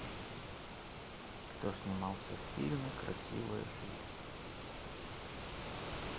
кто снимался в фильме красивая жизнь